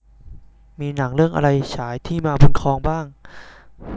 มีหนังเรื่องอะไรฉายที่มาบุญครองบ้าง